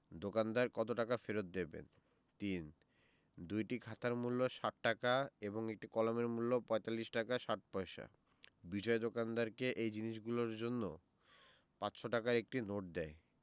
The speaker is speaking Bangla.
দোকানদার কত টাকা ফেরত দেবেন ৩ দুইটি খাতার মূল্য ৬০ টাকা এবং একটি কলমের মূল্য ৪৫ টাকা ৬০ পয়সা বিজয় দোকানদারকে এই জিনিসগুলোর জন্য ৫০০ টাকার একটি নোট দেয়